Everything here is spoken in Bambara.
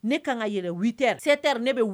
Ne kaan ŋa yɛlɛ 8 heures 7 heures ne be wu